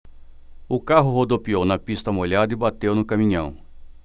o carro rodopiou na pista molhada e bateu no caminhão